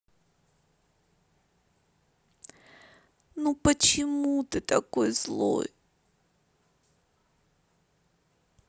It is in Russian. ну почему ты такой злой